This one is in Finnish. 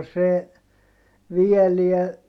no se viedään